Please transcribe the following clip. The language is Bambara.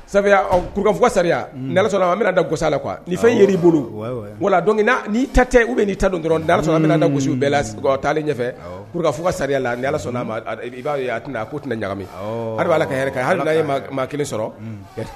Sa kurufug sariya a bɛna da gosa la kuwa fɛn ye i bolo wala ni ta tɛ u bɛ ta don dɔrɔn da sɔnna min na muso bɛɛ la a taalen ɲɛfɛ kurufugu ka sariya ni sɔnna b'a a tɛna ko tɛna ɲagami a b'a la kaɛrɛ hali maa kelen sɔrɔ